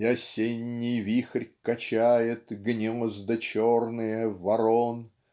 И осенний вихрь качает Гнезда черные ворон.